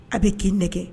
A bɛ kin nɛgɛ